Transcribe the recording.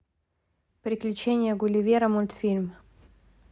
приключения гулливера мультфильм